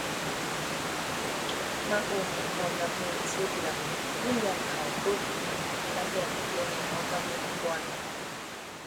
มักโอนให้พ่อกับแม่ซุเดือน เงินเดือนเข้าปึ๊บ อันดับแรกโอนให้พ่อกับแม่ก่อน